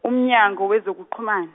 uMnyango wezokuXhumana.